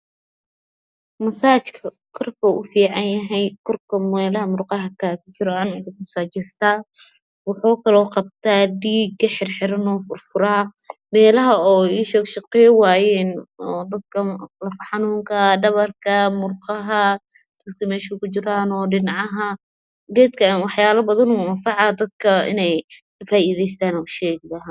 Masaajka kor kuu u fiicnyhy io meelaha murquha kaaga juran lagu masaajeysataa wuxuu kloo qabtaa dhiiga xir xirn fur furaa meelaha ii sheg meelaha shaqeyni waayy dadka murqa xanunka kaga jiran dhabar xanunka geedkan wuxuu anfacaa wax yaalo dbn dadka inay ka faa, deysataa ushegaa